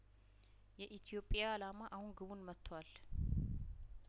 የኢትዮጵያ አላማ አሁን ግቡን መቷል